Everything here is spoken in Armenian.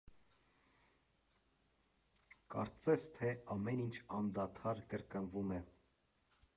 Կարծես թե ամեն ինչ, անդադար կրկնվում է…